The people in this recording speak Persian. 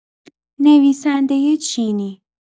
نویسنده چینی